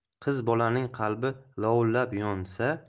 qiz bolaning qalbi lovillab yonsa